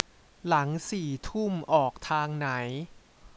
หลังสี่ทุ่มออกทางไหน